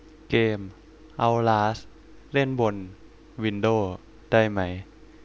เกมเอ้าลาสเล่นบนวินโด้ได้ไหม